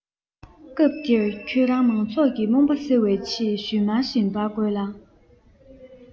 སྐབས དེར ཁྱོད རང མང ཚོགས ཀྱི རྨོངས པ སེལ བའི ཆེད ཞུན མར བཞིན འབར དགོས ལ